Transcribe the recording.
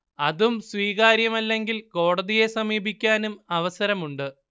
അതും സ്വീകാര്യമല്ലെങ്കിൽ കോടതിയെ സമീപിക്കാനും അവസരമുണ്ട്